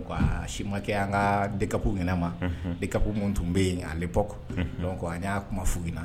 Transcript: Si makɛ an ka de ka ɲ ma de ka minnu tun bɛ yen ale bɔ dɔn a y'a kuma f na